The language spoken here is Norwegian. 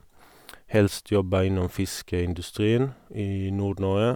Helst jobbe innom fiskeindustrien i Nord-Norge.